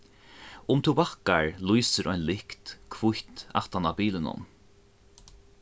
um tú bakkar lýsir ein lykt hvítt aftan á bilinum